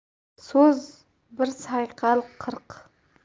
so'z bir sayqal qirq